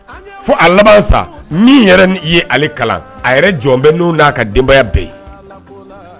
Fo a laban sa min yɛrɛ n i ye ale kalan a yɛrɛ jɔn bɛɛ n' n a ka denbaya bɛɛ ye